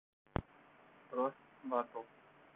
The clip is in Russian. рост батл